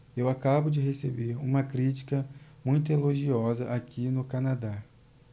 eu acabo de receber uma crítica muito elogiosa aqui no canadá